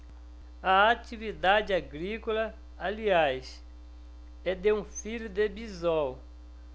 a atividade agrícola aliás é de um filho de bisol